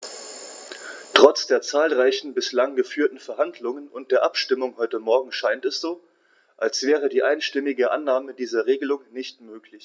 Trotz der zahlreichen bislang geführten Verhandlungen und der Abstimmung heute Morgen scheint es so, als wäre die einstimmige Annahme dieser Regelung nicht möglich.